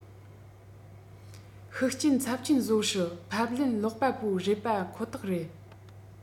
ཤུགས རྐྱེན ཚབས ཆེན བཟོ སྲིད ཕབ ལེན ཀློག པ པོའི རེད པ ཁོ ཐག རེད